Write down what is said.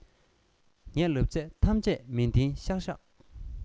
ངས ལབ ཚད ཐམས ཅད མི བདེན པ ཤག ཤག